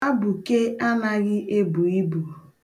Abụke anaghị ebu ibu.